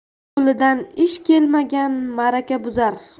qo'lidan ish kehnagan ma'raka buzar